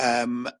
yym